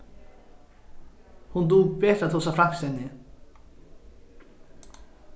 hon dugir betur at tosa franskt enn eg